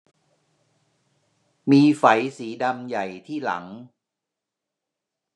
มีไฝสีดำใหญ่ที่หลัง